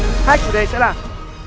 hai chủ đề sẽ là